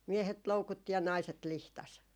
miehet loukutti ja naiset lihtasi